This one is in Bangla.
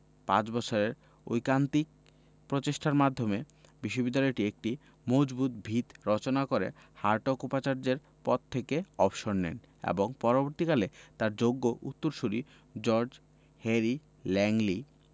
পাঁচ বছরের ঐকান্তিক প্রচেষ্টার মাধ্যমে বিশ্ববিদ্যালয়টির একটি মজবুত ভিত রচনা করে হার্টগ উপাচার্যের পদ থেকে অবসর নেন এবং পরবর্তীকালে তাঁর যোগ্য উত্তরসূরি জর্জ হ্যারি ল্যাংলি